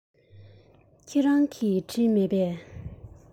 ཁྱེད རང གིས བྲིས མེད པས